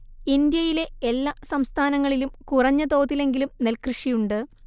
ഇന്ത്യയിലെ എല്ലാ സംസ്ഥാനങ്ങളിലും കുറഞ്ഞ തോതിലെങ്കിലും നെൽക്കൃഷിയുണ്ട്